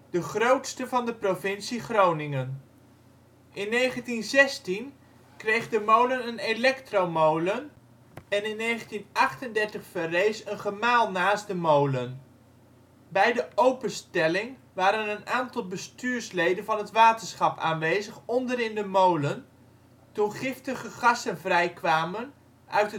de grootste van de provincie Groningen. In 1916 kreeg de molen een elektromolen en in 1938 verrees een gemaal naast de molen. Bij de openstelling waren een aantal bestuursleden van het waterschap aanwezig onderin de molen, toen giftige gassen vrijkwamen uit